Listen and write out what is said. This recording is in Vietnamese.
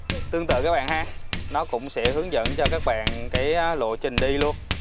tương tự các bạn ha nó cũng sẽ hướng dẫn cho các bạn cái lộ trình đi luôn